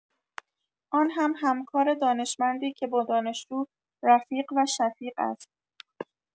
آن هم همکار دانشمندی که با دانشجو رفیق و شفیق است.